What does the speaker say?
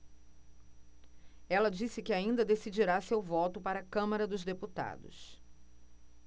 ela disse que ainda decidirá seu voto para a câmara dos deputados